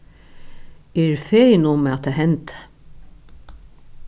eg eri fegin um at tað hendi